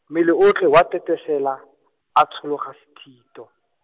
mmele otlhe wa tetesela, a tshologa sethitho.